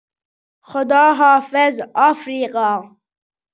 خداحافظ آفریقا